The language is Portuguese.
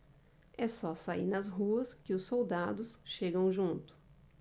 é só sair nas ruas que os soldados chegam junto